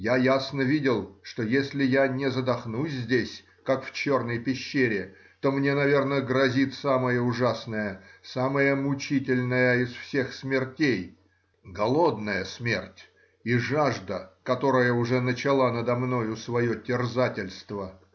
Я ясно видел, что если я не задохнусь здесь, как в Черной пещере, то мне, наверно, грозит самая ужасная, самая мучительная из всех смертей — голодная смерть и жажда, которая уже начала надо мною свое терзательство.